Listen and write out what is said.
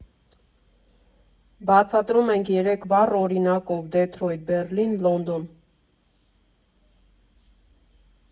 Բացատրում ենք երեք վառ օրինակով՝ Դեթրոյթ, Բեռլին, Լոնդոն։